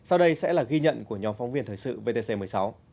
sau đây sẽ là ghi nhận của nhóm phóng viên thời sự vê tê xê mười sáu